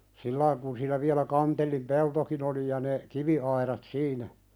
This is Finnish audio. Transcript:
sillä lailla kun siinä vielä Kantellin peltokin oli ja ne kiviaidat siinä